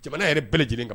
Jamana yɛrɛ bɛɛ lajɛlen ka